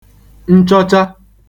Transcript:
nchọcha